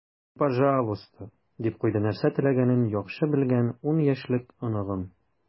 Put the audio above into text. "ну пожалуйста," - дип куйды нәрсә теләгәнен яхшы белгән ун яшьлек оныгым.